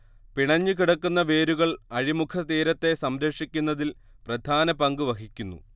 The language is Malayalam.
പിണഞ്ഞുകിടക്കുന്ന വേരുകൾ അഴിമുഖ തീരത്തെ സംരക്ഷിക്കുന്നതിൽ പ്രധാനപങ്ക് വഹിക്കുന്നു